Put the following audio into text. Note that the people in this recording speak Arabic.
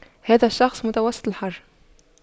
هذا الشخص متوسط الحجم